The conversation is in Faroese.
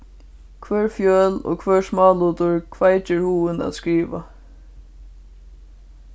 hvør fjøl og hvør smálutur kveikir hugin at skriva